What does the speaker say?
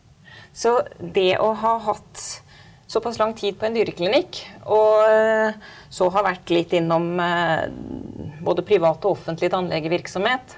så det å ha hatt såpass lang tid på en dyreklinikk og så ha vært litt innom både privat og offentlig tannlegevirksomhet.